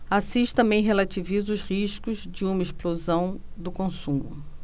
assis também relativiza os riscos de uma explosão do consumo